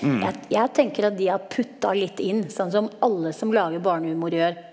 jeg jeg tenker at de har putta litt inn sånn som alle som lager barnehumor gjør.